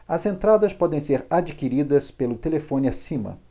as entradas podem ser adquiridas pelo telefone acima